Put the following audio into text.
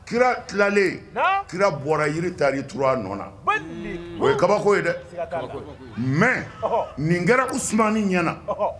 Kira tilalen kira bɔra yiritaliura nɔ na o ye kabako ye dɛ mɛ nin kɛra usman ɲɛna